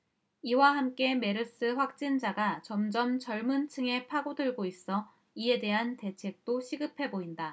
이와 함께 메르스 확진자가 점점 젊은 층에 파고들고 있어 이에 대한 대책도 시급해 보인다